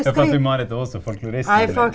ja for at hun Marit også er folklorist .